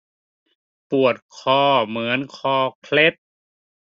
ปวดคอเหมือนคอเคล็ด